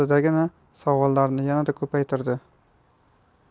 oldidagi savollarni yanada ko'paytirdi